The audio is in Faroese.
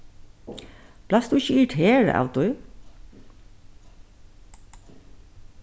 bleivst tú ikki irriterað av tí